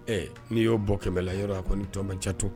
Ɛ ni yo bɔ 100 la yɔrɔ a kɔnin tɔ man ca tukunni